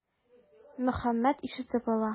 Мөхәммәт ишетеп ала.